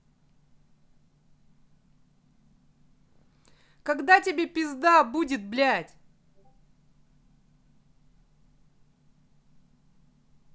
когда тебе пизда будет блядь